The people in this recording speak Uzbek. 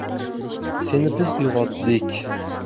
seni biz uyg'otdik